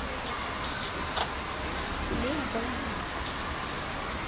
клейн бандит